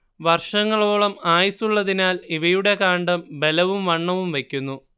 വർഷങ്ങളോളം ആയുസ്സുള്ളതിനാൽ ഇവയുടെ കാണ്ഡം ബലവും വണ്ണവും വയ്ക്കുന്നു